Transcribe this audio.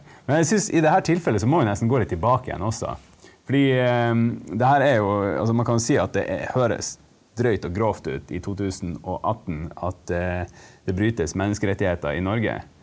men jeg syns i det her tilfellet så må vi nesten gå litt tilbake igjen også, fordi det her er jo altså man kan jo si at det høres drøyt og grovt ut i 2018 at det det brytes menneskerettigheter i Norge.